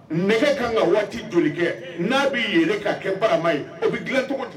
Nɛgɛ ka kan ka waati joli kɛ? N'a bɛ yelen ka kɛ barama ye? O bɛ dilan cogo di?